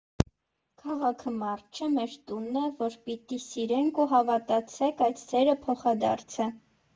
Քաղաքը մարդ չէ՝ մեր տունն է, որ պիտի սիրենք, ու հավատացեք, այդ սերը փոխադարձ է։